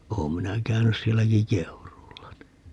olen minä käynyt sielläkin Keuruulla niin